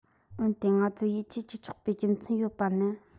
འོན ཏེ ང ཚོར ཡིད ཆེས བགྱི ཆོག པའི རྒྱུ མཚན ཡོད པ ནི